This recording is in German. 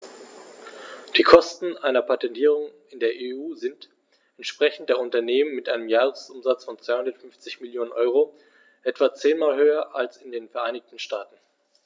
Die Kosten einer Patentierung in der EU sind, entsprechend der Unternehmen mit einem Jahresumsatz von 250 Mio. EUR, etwa zehnmal höher als in den Vereinigten Staaten.